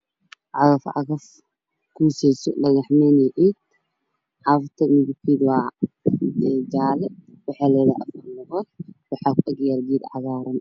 Cagafta waxay leedahay af hor ay ku qaadeyso dhagaxanta waxayna uruurineysaa dhagxaan wafdi kalarkeedu waa gaduud